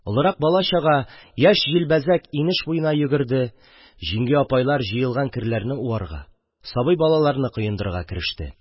Олырак бала-чага, яшь-җилбәзәк инеш буена йөгерде, җиңги-апайлар җыелган керләрне уарга, сабый балаларны коендырырга кереште.